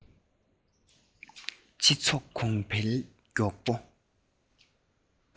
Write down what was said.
སྤྱི ཚོགས གོང འཕེལ མགྱོགས པོ